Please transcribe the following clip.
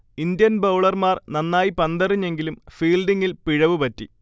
Indian ബൗളർമാർ നന്നായി പന്തെറിഞ്ഞെങ്കിലും ഫീൽഡിങ്ങിൽ പിഴവു പറ്റി